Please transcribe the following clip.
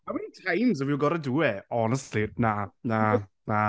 How many times have you got to do it? Honestly Na, na, na.